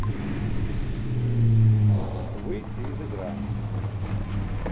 выйти из игра